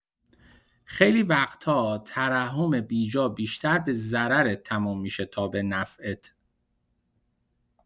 خیلی وقتا ترحم بیجا بیشتر به ضررت تموم می‌شه تا به نفعت.